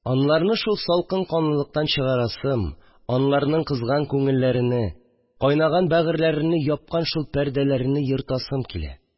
Анларны шул салкын канлылыктан чыгарасым, анларның кызган күңелләрене, кайнаган бәгырьләрене япкан шул пәрдәләрене ертасым килә